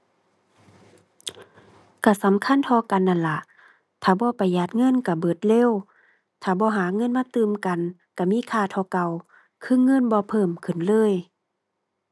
ก็สำคัญเท่ากันนั่นล่ะ ถ้าบ่ประหยัดเงินก็เบิดเร็ว ถ้าบ่หาเงินมาตื่มกัน ก็มีค่าเท่าเก่าคือเงินบ่เพิ่มขึ้นเลย